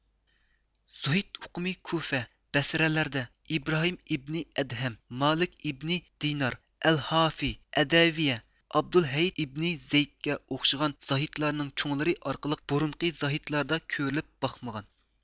زۇھد ئوقۇمى كۇفە بەسرەلەردە ئىبراھىم ئىبنى ئەدھەم مالىك ئىبنى دىينار ئەلھافىي ئەدەۋىييە ئابدۇلۋاھىد ئىبنى زەيدكە ئوخشىغان زاھىدلارنىڭ چوڭلىرى ئارقىلىق بۇرۇنقى زاھىدلاردا كۆرۈلۈپ باقمىغان